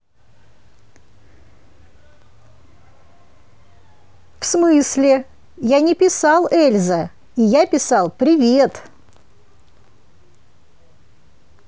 в смысле я не писал эльза и я писал привет